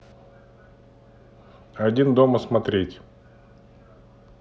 один дома смотреть